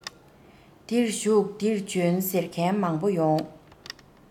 འདིར བཞུགས འདིར བྱོན ཟེར མཁན མང པོ ཡོང